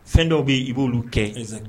Fɛn dɔw be ye i b'olu kɛ exact